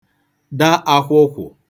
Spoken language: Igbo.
da ākwụ̄kwụ̀